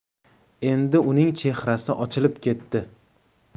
endi uning chehrasi ochilib ketdi